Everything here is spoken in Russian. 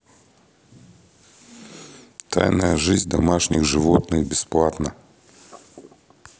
тайная жизнь домашних животных бесплатно